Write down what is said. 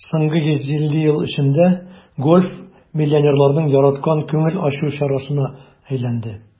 Соңгы 150 ел эчендә гольф миллионерларның яраткан күңел ачу чарасына әйләнде.